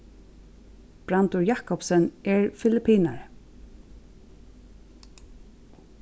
brandur jakobsen er filipinari